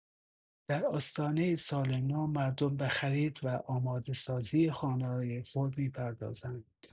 در آستانه سال‌نو، مردم به خرید و آماده‌سازی خانه‌های خود می‌پردازند.